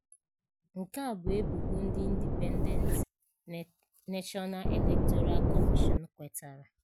Nke a bụ ebubo ndị Independent National Electoral Commission (INEC) kwetara.